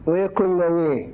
o ye ko ɲuman ye